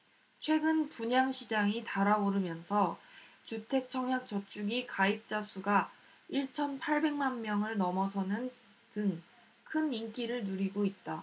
최근 분양시장이 달아오르면서 주택청약저축이 가입자수가 일 천 팔백 만명을 넘어서는 등 큰 인기를 누리고 있다